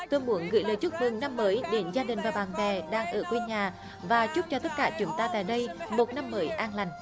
tôi muốn gửi lời chúc mừng năm mới đến gia đình và bạn bè đang ở quê nhà và chúc cho tất cả chúng ta tại đây một năm mới an lành